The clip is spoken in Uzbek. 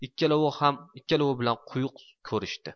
ikkalovi bilan quyuq ko'rishdi